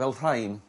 fel rhain